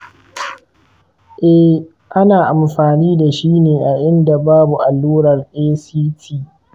eh, ana amfani da shi ne a inda babu allurar act.